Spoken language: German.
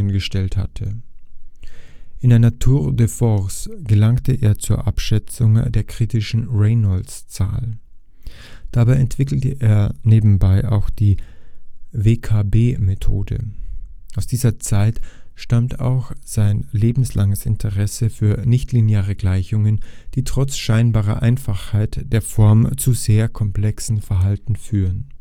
gestellt hatte. In einer tour de force gelangte er zur Abschätzung der kritischen Reynolds-Zahl. Dabei entwickelte er nebenbei auch die WKB-Methode. Aus dieser Zeit stammt auch sein lebenslanges Interesse für nichtlineare Gleichungen, die trotz scheinbarer Einfachheit der Form zu sehr komplexem Verhalten führen